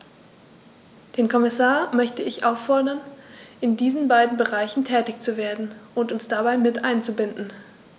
Den Kommissar möchte ich auffordern, in diesen beiden Bereichen tätig zu werden und uns dabei mit einzubinden.